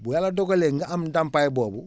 bu yàlla dogalee nga am ndàmpaay boobu